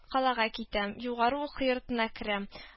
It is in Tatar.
Калага китәм, югары уку йортына керәм